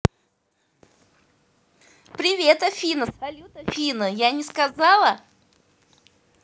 привет афина салют афина я не сказала